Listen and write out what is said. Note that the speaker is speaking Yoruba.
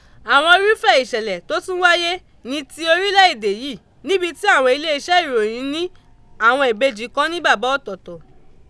Àwọn irúfẹ́ ìṣẹ̀lẹ̀ tó tún wáyé ni ti orílẹ̀ èdè yìí nibi tí àwọn iléeṣẹ́ ìròyìn ní àwọn ìbejì kan ní bàbá ọ̀tọ̀ọ̀tọ̀.